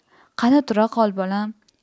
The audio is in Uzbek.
qani tura qol bolam